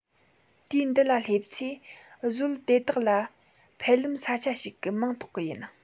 དུས འདི ལ སླེབས ཚེ གཟོད དེ དག ལ ཕལ ལམ ས ཆ ཞིག གི མིང ཐོག གི ཡིན